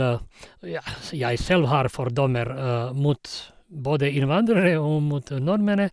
Ja, så jeg selv har fordommer mot både innvandrere og mot nordmenn.